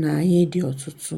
na anyị dị ọtụtụ.